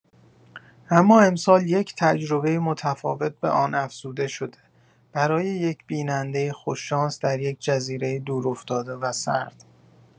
اما امسال یک تجربه متفاوت به آن افزوده‌شده، برای یک بیننده خوش‌شانس در یک جزیره دورافتاده و سرد.